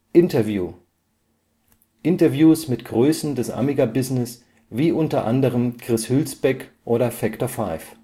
Interview: Interviews mit Größen des Amiga-Business wie unter anderem Chris Hülsbeck oder Factor 5.